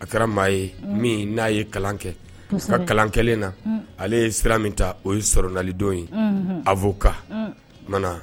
A kɛra maa ye min n'a ye kalan kɛ, kosɛbɛ a ka kalan kelen na, ale ye sira min ta ,o ye sɔrɔnalidon ye, unhun, n'o ye avocat unhun, o kumana.